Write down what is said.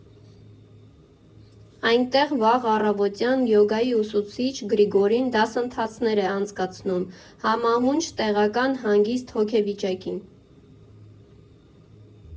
Այնտեղ վաղ առավոտյան յոգայի ուսուցիչ Գրիգորին դասընթացներ է անցկացնում՝ համահունչ տեղական հանգիստ հոգեվիճակին։